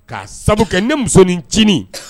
K'a sababu kɛ ne musonincinin